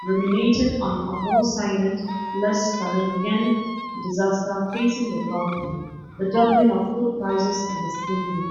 ruminated on a more silent, less telegenic disaster facing the country: the doubling of food prices in the same week.